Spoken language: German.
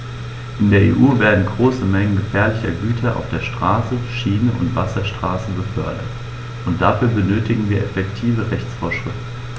In der EU werden große Mengen gefährlicher Güter auf der Straße, Schiene und Wasserstraße befördert, und dafür benötigen wir effektive Rechtsvorschriften.